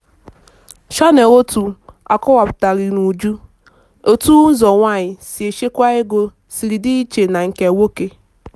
Channel One akọwapụtaghị n'uju, otu ụzọ nwaanyị si echekwa ego siri dị iche na nke nwoke.